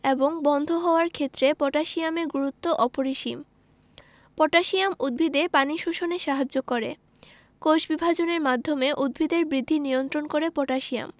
এবং বন্ধ হওয়ার ক্ষেত্রে পটাশিয়ামের গুরুত্ব অপরিসীম পটাশিয়াম উদ্ভিদে পানি শোষণে সাহায্য করে কোষবিভাজনের মাধ্যমে উদ্ভিদের বৃদ্ধি নিয়ন্ত্রণ করে পটাশিয়াম